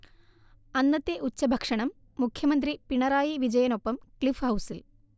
അന്നത്തെ ഉച്ചഭക്ഷണം മുഖ്യമന്ത്രി പിണറായി വിജയനൊപ്പം ക്ലിഫ്ഹൗസിൽ